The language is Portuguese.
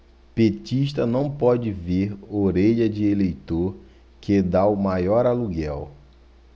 petista não pode ver orelha de eleitor que tá o maior aluguel